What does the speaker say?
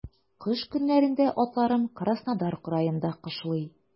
Кыш көннәрендә атларым Краснодар краенда кышлый.